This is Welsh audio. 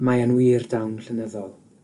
Mae yn wir, dawn llenyddol,